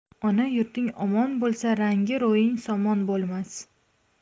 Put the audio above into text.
ona yurting omon bo'lsa rangi ro'ying somon bo'lmas